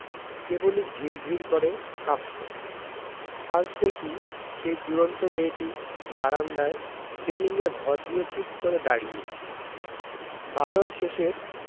কেবলি ঝির ঝির করে কাঁপছে আজ দেখি সেই দূরন্ত মেয়েটি বারান্দায় রেলিঙে ভর দিয়ে চুপ করে দাঁড়িয়ে বাদলশেষের